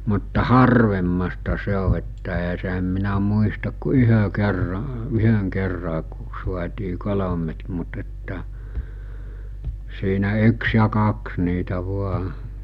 mutta harvemmasta se on että eihän se en minä muista kuin yhden kerran yhden kerran kun saatiin kolme mutta että siinä yksi ja kaksi niitä vain